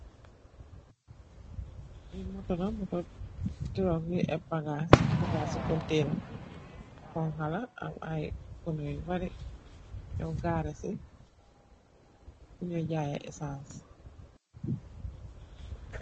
Li moto la, moto truck nyu epp bagagasi kontaina bu xonxa la amm ay birr nyu barri yow gaareh si fu nyu jaayeh essence.